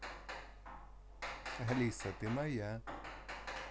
алиса ты моя